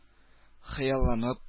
Хыялланып